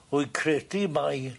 Wy credu mai